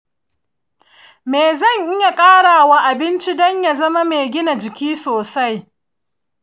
me zan iya ƙara wa abinci don ya zama mai gina jiki sosai?